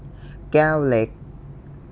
แก้วเล็ก